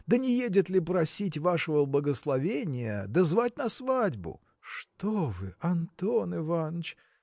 да не едет ли просить вашего благословения да звать на свадьбу? – Что вы, Антон Иваныч!